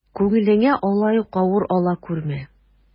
Күңелеңә алай ук авыр ала күрмә.